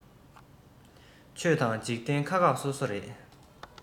ཆོས དང འཇིག རྟེན ཁག ཁག སོ སོ རེད